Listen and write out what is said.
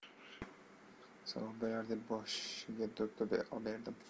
savob bo'lar deb boshiga do'ppi oberdim